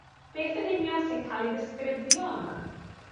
Beth yn union sy'n ca'l ei ddisgrifio yma?